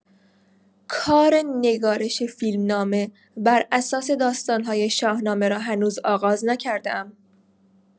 کار نگارش فیلمنامه بر اساس داستان‌های شاهنامه را هنوز آغاز نکرده‌ام.